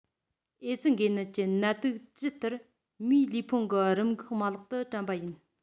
ཨེ ཙི འགོས ནད ཀྱི ནད དུག ཇི ལྟར མིའི ལུས ཕུང གི རིམས འགོག མ ལག ཏུ བཀྲམ པ ཡིན